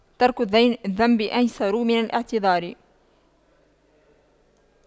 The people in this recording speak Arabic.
ترك الذنب أيسر من الاعتذار